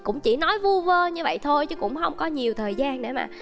cũng chỉ nói vu vơ như vậy thôi chứ cũng không có nhiều thời gian để mà